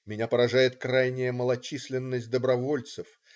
Меня поражает крайняя малочисленность добровольцев.